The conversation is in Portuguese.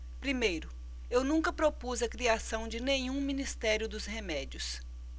primeiro eu nunca propus a criação de nenhum ministério dos remédios